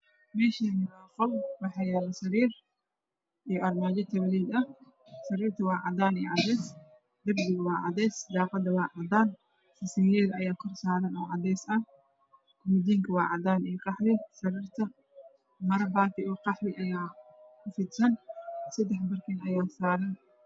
Meeshan waa qol waxaa yaalo sariir iyo armaajo tuwaled ah sariir waa cadaan cadaysi darbiguna waa cadays daaqaduna waa cadaan ayaa kor saran oo cadays ah